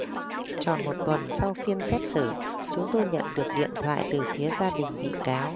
tròn một tuần sau phiên xét xử chúng tôi nhận được điện thoại từ phía gia đình bị cáo